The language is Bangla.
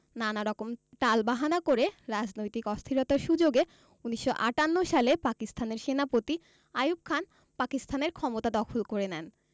নানারকম টালবাহানা করে রাজনৈতিক অস্থিরতার সুযোগে ১৯৫৮ সালে পাকিস্তানের সেনাপতি আইয়ুব খান পাকিস্তানের ক্ষমতা দখল করে নেন